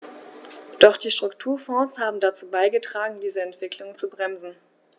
Doch die Strukturfonds haben dazu beigetragen, diese Entwicklung zu bremsen.